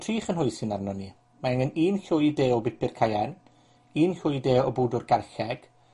tri chynhwysyn arnon ni. Mae angen un llwy de o bupur Cayenne, un llwy de o bwdwr garlleg,